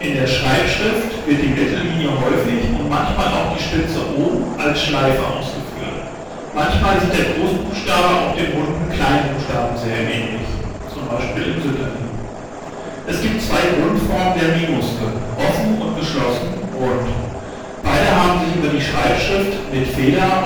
der Schreibschrift wird die Mittellinie häufig und manchmal auch die Spitze oben als Schleife ausgeführt; manchmal sieht der Großbuchstabe auch dem runden Kleinbuchstaben sehr ähnlich (z.B. Sütterlin). Blackletter-A Unzial-A Another Capital A Initial-A Sütterlin-A Fraktur-A Modern-Roman-A Modern-Italic-A Modern-Script-A Es gibt zwei Grundformen der Minuskel: offen und geschlossen/rund. Beide haben sich über die Schreibschrift (mit Feder